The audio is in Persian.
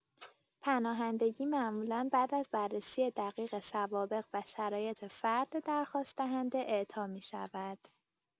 پناهندگی معمولا بعد از بررسی دقیق سوابق و شرایط فرد درخواست‌دهنده اعطا می‌شود.